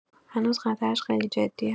هنوز خطرش خیلی جدیه.